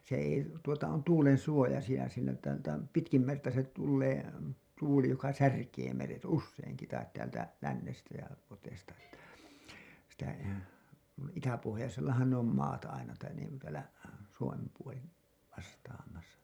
se ei tuota on tuulen suojasija siinä että - pitkin merta se tulee tuuli joka särkee meret useinkin tai täältä lännestä ja luoteesta että sitä noin itäpohjoisellahan ne on maat aina tai niin kuin täällä Suomen puoli vastaamassa